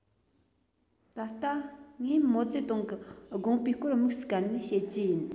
ད ལྟ ངས མའོ ཙེ ཏུང གི དགོངས པའི སྐོར དམིགས སུ བཀར ནས བཤད ཀྱི ཡིན